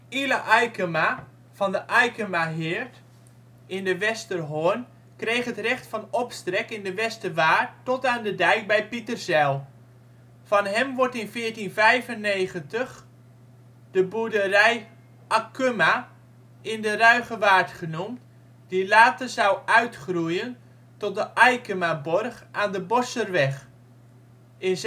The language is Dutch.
Ile Ayckema van de Ayckemaheerd in de Westerhorn kreeg het recht van opstrek in de Westerwaard tot aan de dijk bij Pieterzijl. Van hem wordt in 1495 de boerderij Akumma in de Ruigewaard genoemd, die later zou uitgroeien tot de Aykemaborg aan de Bosscherweg (in